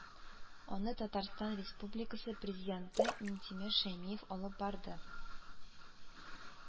Аны Татарстан Республикасы Президенты Минтимер Шәймиев алып барды